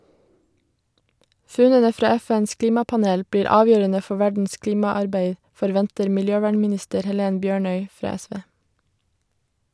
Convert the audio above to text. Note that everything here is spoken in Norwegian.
Funnene fra FNs klimapanel blir avgjørende for verdens klimaarbeid, forventer miljøvernminister Helen Bjørnøy fra SV.